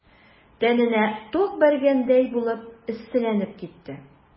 Тәненә ток бәргәндәй булып эсселәнеп китте.